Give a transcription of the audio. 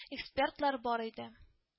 Экспертлар бар иде